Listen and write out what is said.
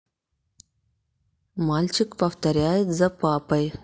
мальчик повторяет за папой